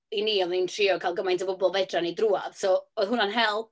I ni oedden ni'n trio cael gymaint o bobl fedra ni drwodd, so oedd hwnna'n help.